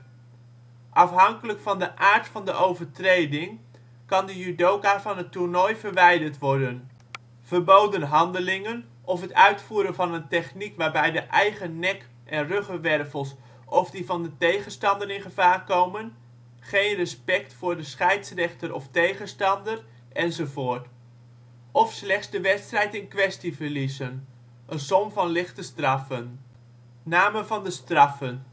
Afhankelijk van de aard van de overtreding kan de judoka van het toernooi verwijderd worden (verboden handelingen, of het uitvoeren van een techniek waarbij de eigen nek -/ ruggenwervels of die van de tegenstander in gevaar komen, geen respect voor scheidsrechter of tegenstander, etc.) of slechts de wedstrijd in kwestie verliezen (som van lichte straffen). Namen van de straffen